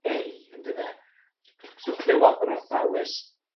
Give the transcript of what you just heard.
ei on'd yfe? So clywodd yr athrawes